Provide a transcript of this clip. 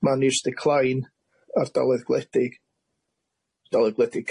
maniws diclain ardaloedd gwledig, ardaloedd gwledig